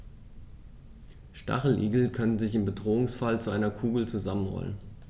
Stacheligel können sich im Bedrohungsfall zu einer Kugel zusammenrollen.